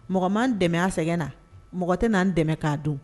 Mɔgɔmanan dɛmɛ sɛgɛn na mɔgɔ tɛna n'an dɛmɛ k'a dun